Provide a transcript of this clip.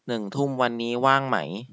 หนึ่งทุ่มวันนี้ว่างไหม